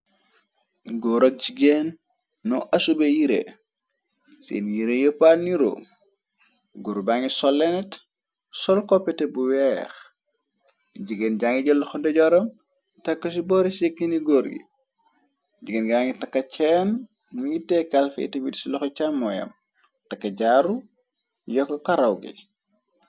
górak jigeen noo asube yire seen yire yopaal ni rom góor bangi sollenet sol koppete bu weex jigéen jàngi jëlxo dejoram tako ci borisikini gór gi jigéen jangi taka ceen mu ngi teekal feétabit si loxo càmmooyam taka jaaru yokk karaw gi